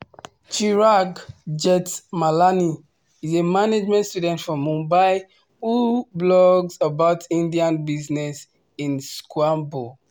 Chirag Jethmalani is a management student from Mumbai who blogs about Indian business in Squamble.